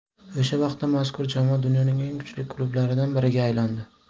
o'sha vaqtda mazkur jamoa dunyoning eng kuchli klublaridan biriga aylangandi